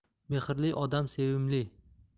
mehrli odam sevimli